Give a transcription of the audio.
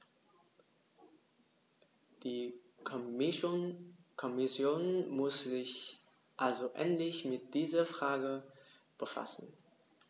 Die Kommission muss sich also endlich mit dieser Frage befassen.